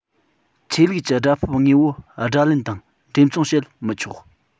ཆོས ལུགས ཀྱི སྒྲ ཕབ དངོས པོ སྒྲ ལེན དང འགྲེམ ཚོང བྱེད མི ཆོག